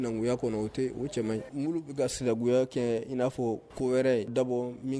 Silamɛya kɛ ina fɔ ko wɛrɛ ye dabɔ